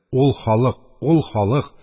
Ул халык, ул халык!